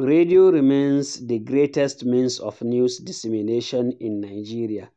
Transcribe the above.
Radio remains the greatest means of news dissemination in Nigeria.